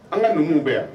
An ka numu bɛ yan